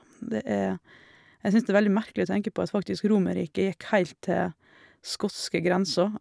det er Jeg syns det er veldig merkelig å tenke på at faktisk Romerriket gikk heilt til skotske grensa.